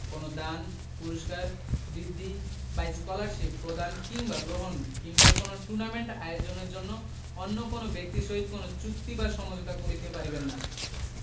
কোন দান পুরস্কার বৃদ্ধি বা স্কলারশীপ প্রদান কিংবা গ্রহণ কিংবা কোন টুর্নামেন্ট আয়োজনের জন্য অন্য কোন ব্যক্তির সহিত কোনো চুক্তি বা সমঝোতা করিতে পারিবেন না